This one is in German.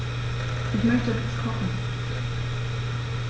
Ich möchte etwas kochen.